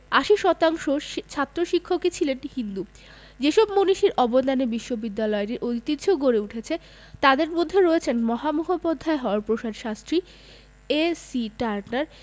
৮০% ছাত্র শিক্ষকই ছিলেন হিন্দু যেসব মনীষীর অবদানে বিশ্ববিদ্যালয়টির ঐতিহ্য গড়ে উঠেছে তাঁদের মধ্যে রয়েছেন মহামহোপধ্যায় হরপ্রসাদ শাস্ত্রী এ.সি টার্নার